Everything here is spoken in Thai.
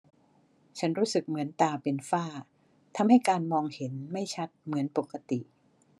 ฉันรู้สึกเหมือนตาเป็นฝ้าทำให้การมองเห็นไม่ชัดเหมือนปกติ